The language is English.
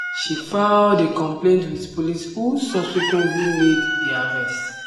She filed a complaint with police who subsequently made the arrest.